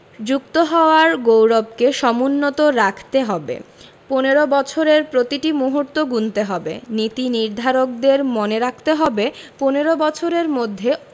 যুক্ত হওয়ার গৌরবকে সমুন্নত রাখতে হবে ১৫ বছরের প্রতিটি মুহূর্ত গুনতে হবে নীতিনির্ধারকদের মনে রাখতে হবে ১৫ বছরের মধ্যে